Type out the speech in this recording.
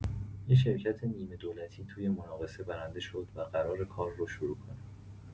یه شرکت نیمه‌دولتی توی مناقصه برنده شد و قراره کارو شروع کنه.